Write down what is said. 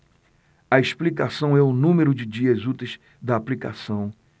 a explicação é o número de dias úteis da aplicação